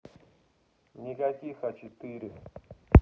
никаких а четыре